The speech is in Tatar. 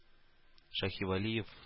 Шаһивәлиев